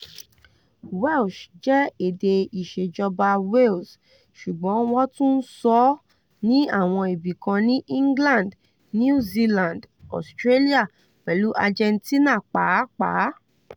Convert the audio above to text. Welsh jẹ́ èdè ìṣèjọba Wales, ṣùgbọ́n wọ́n tún ń sọ ọ́ ní àwọn ibìkan ní England, New Zealand Australia pẹ̀lú Argentina pàápàá.